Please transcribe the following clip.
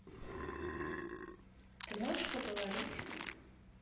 ты можешь поговорить